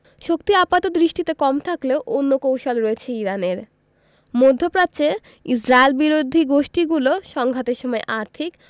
শক্তি আপাতদৃষ্টিতে কম থাকলেও অন্য কৌশল রয়েছে ইরানের মধ্যপ্রাচ্যে ইসরায়েলবিরোধী গোষ্ঠীগুলো সংঘাতের সময় আর্থিক